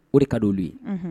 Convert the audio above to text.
O de ka di'olu ye